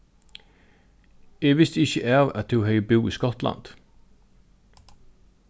eg visti ikki av at tú hevði búð í skotlandi